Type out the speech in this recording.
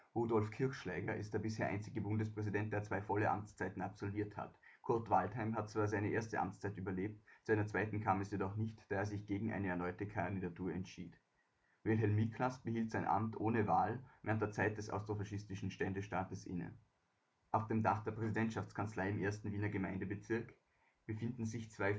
Rudolf Kirchschläger ist der bisher einzige Bundespräsident, der zwei volle Amtszeiten absolviert hat. Kurt Waldheim hat zwar seine erste Amtszeit überlebt, zu einer zweiten kam es jedoch nicht, da er sich gegen eine erneute Kandidatur entschieden hat. Wilhelm Miklas behielt sein Amt - ohne Wahl - während der Zeit des Ständestaates inne. Auf dem Dach der Präsidentschaftskanzlei im ersten Wiener Gemeindebezirk befinden sich zwei